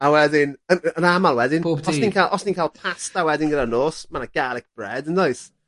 a wedyn y- yn amal wedyn... bob dydd? ...os nj'n ca'l os ni'n ca'l pasta wedyn gyda'r nos ma' 'na garlic bread yndoes?